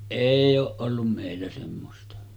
ei ole ollut meillä semmoista